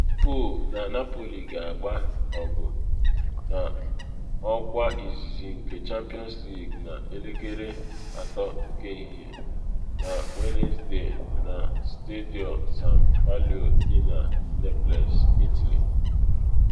Liverpool na Napoli ga-aga ọgụ n’ọkwa izizi nke Champions League na elekere 3 nke ehihie na Wenesde na Stadio San Paolo dị na Naples, Italy.